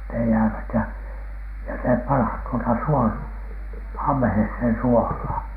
ne jäävät ja ja se pannaan tuota - ammeeseen suolaan